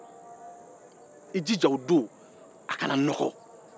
i jija o don a kana nɔgɔ